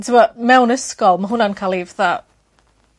t'mo' mewn ysgol ma' hwnna'n ca'l 'i fatha